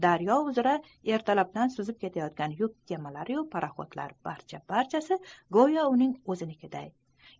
daryo uzra ertalabdan suzib ketayotgan yuk kemalari yu paroxodlar barcha barchasi go'yo uning o'zinikiday